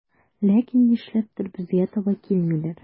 Ләкин нишләптер безгә таба килмиләр.